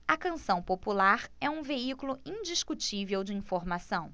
a canção popular é um veículo indiscutível de informação